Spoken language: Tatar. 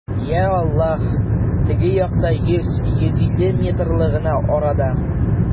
Йа Аллаһ, теге якта, йөз, йөз илле метрлы гына арада!